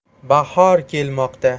bahor kelmoqda